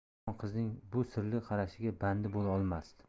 ammo qizning bu sirli qarashiga bandi bo'la olmasdi